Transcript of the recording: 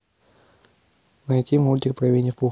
найди мультик про винни пуха